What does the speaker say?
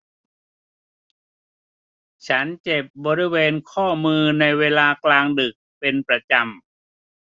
ฉันเจ็บบริเวณข้อมือในเวลากลางดึกเป็นประจำ